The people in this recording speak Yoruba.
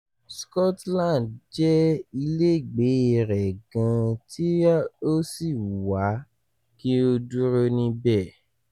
Scotland jẹ́ ilegèé rẹ gan an tí a ó sì wú wà kí ó dúró níbẹ̀."